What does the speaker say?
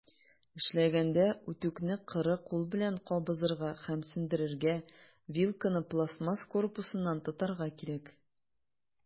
Эшләгәндә, үтүкне коры кул белән кабызырга һәм сүндерергә, вилканы пластмасс корпусыннан тотарга кирәк.